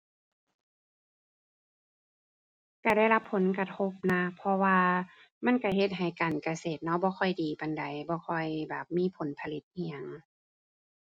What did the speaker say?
ก็ได้รับผลกระทบนะ เพราะว่ามันก็เฮ็ดให้การเกษตรเนาะบ่ค่อยดีปานใด บ่ค่อยแบบมีผลผลิตอิหยัง